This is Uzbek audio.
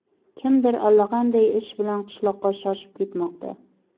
kimdir allaqanday ish bilan qishloqqa shoshib ketmoqda